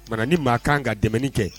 Mana ni maa kan ka dɛmɛ kɛ